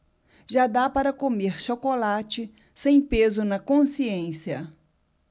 já dá para comer chocolate sem peso na consciência